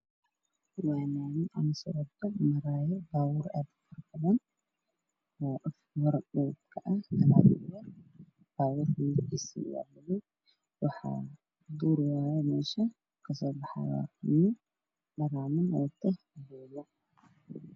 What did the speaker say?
Waa laami waxaa maraayo baabuur ciidan midabkoodi yahay madow waxaa ag maraayo nin meeshana waa duur